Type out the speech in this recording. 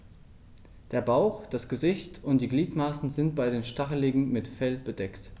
Der Bauch, das Gesicht und die Gliedmaßen sind bei den Stacheligeln mit Fell bedeckt.